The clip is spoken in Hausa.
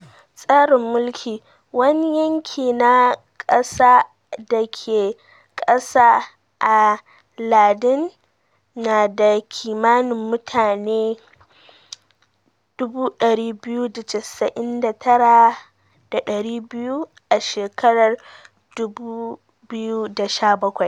Tsarin mulki, wani yanki na kasa da ke ƙasa a lardin, nada kimanin mutane 299,200 a shekarar 2017.